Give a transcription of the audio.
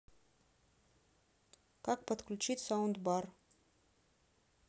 как подключить саундбар